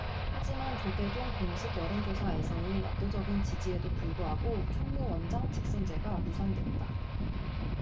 하지만 조계종 공식 여론조사에서의 압도적인 지지에도 불구하고 총무원장 직선제가 무산됐다